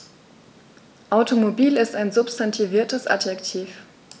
Automobil ist ein substantiviertes Adjektiv.